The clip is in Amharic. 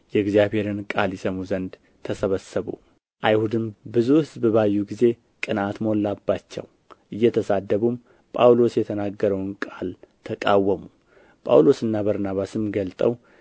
የእግዚአብሔርን ቃል ይሰሙ ዘንድ ተሰበሰቡ አይሁድም ብዙ ሕዝብ ባዩ ጊዜ ቅንዓት ሞላባቸው እየተሳደቡም ጳውሎስ የተናገረውን ቃል ተቃወሙ ጳውሎስና በርናባስም ገልጠው